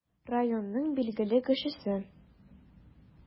Районның билгеле кешесе.